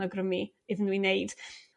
yn awgrymu iddyn nhw i wneud.